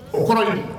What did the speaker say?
O kɔrɔ ye